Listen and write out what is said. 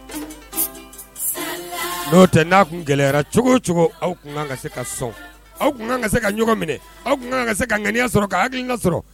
Tɛ n'a kun gɛlɛyara cogo cogo aw kun ka ka sɔn aw tun kan ka se ka ɲɔgɔn minɛ aw tun kan ka se ka ŋya sɔrɔ ka hakili ka sɔrɔ